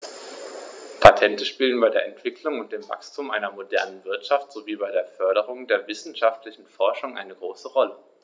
Patente spielen bei der Entwicklung und dem Wachstum einer modernen Wirtschaft sowie bei der Förderung der wissenschaftlichen Forschung eine große Rolle.